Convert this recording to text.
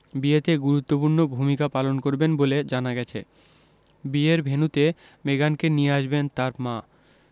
বিয়েতে গুরুত্বপূর্ণ ভূমিকা পালন করবেন বলে জানা গেছে বিয়ের ভেন্যুতে মেগানকে নিয়ে আসবেন তাঁর মা